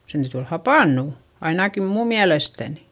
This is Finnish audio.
sen täytyi olla hapantunut ainakin minun mielestäni